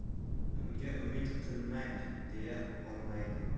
unga umid qilmang deya olmaydi